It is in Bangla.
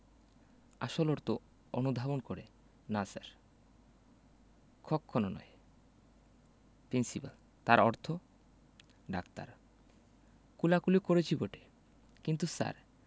আসল অর্থ অনুধাবন করে না স্যার কক্ষণো নয় প্রিন্সিপাল তার অর্থ ডাক্তার কোলাকুলি করেছি বটে কিন্তু স্যার